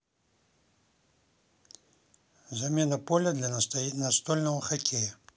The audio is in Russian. замена поля для настольного хоккея